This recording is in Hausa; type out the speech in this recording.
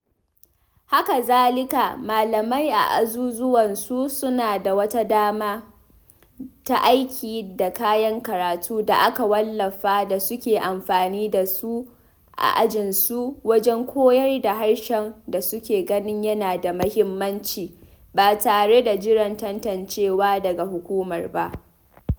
Haka kuma, malamai a ajinsu suna da damar amfani da duk wasu kayan karatu da aka wallafa waɗanda suke ganin suna da muhimmanci wajen koyar da harshe, ba tare da jiran tantancewar hukuma ba.